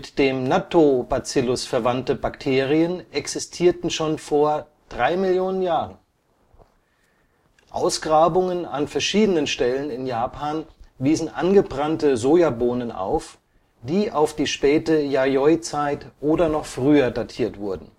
dem Nattō-Bazillus verwandte Bakterien existierten schon vor 3 Mio. Jahren. Ausgrabungen an verschiedenen Stellen in Japan wiesen angebrannte Sojabohnen auf, die auf die späte Yayoi-Zeit oder noch früher datiert wurden